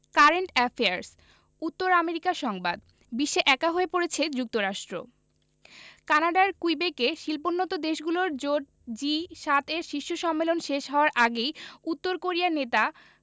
current affairs উত্তর America সংবাদ বিশ্বে একা হয়ে পড়ছে যুক্তরাষ্ট্র কানাডার কুইবেকে শিল্পোন্নত দেশগুলোর জোট জি ৭ এর শীর্ষ সম্মেলন শেষ হওয়ার আগেই উত্তর কোরিয়ার নেতা